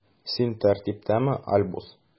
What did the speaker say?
Син тәртиптәме, Альбус?